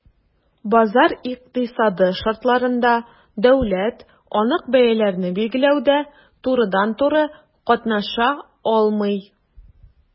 Базар икътисады шартларында дәүләт анык бәяләрне билгеләүдә турыдан-туры катнаша алмый.